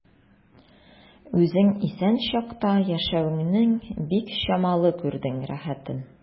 Үзең исән чакта яшәвеңнең бик чамалы күрдең рәхәтен.